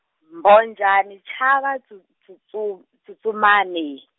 Mbhojana chava tsu, tsu tsum- tsu tsumani.